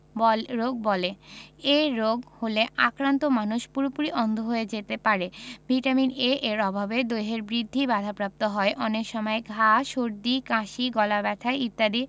রোগ বলে এই রোগ হলে আক্রান্ত মানুষ পুরোপুরি অন্ধ হয়ে যেতে পারে ভিটামিন A এর অভাবে দেহের বৃদ্ধি বাধাপ্রাপ্ত হয় অনেক সময় ঘা সর্দি কাশি গলাব্যথা ইত্যাদি